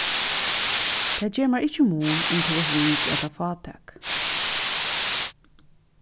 tað ger mær ikki mun um tú ert rík ella fátæk